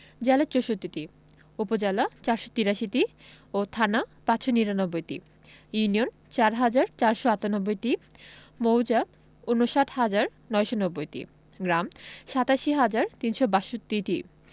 জেলা ৬৪টি উপজেলা ৪৮৩টি ও থানা ৫৯৯টি ইউনিয়ন ৪হাজার ৪৯৮টি মৌজা ৫৯হাজার ৯৯০টি গ্রাম ৮৭হাজার ৩৬২টি